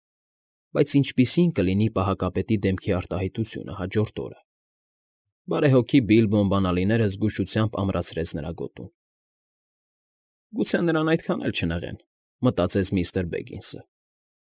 Բայց ինչպիսի՞ն կլինի պահակապետի դեմքի արտահայտությունը հաջորդ օրը… Բարեհոգի Բիլբոն բանալիներն զգուշությամբ ամրացրեց նրա գոտուն։ «Գուցե նրան այդքան էլ չնեղեն,֊ մտածեց միստր Բեգինսը։֊